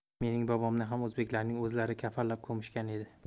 mening bobomni ham o'zbeklarning o'zlari kafanlab ko'mishgan edi